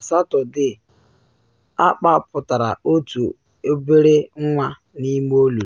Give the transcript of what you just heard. Na Satọde, akpapụtara otu obere nwa n’ime olulu.